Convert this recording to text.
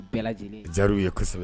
W ye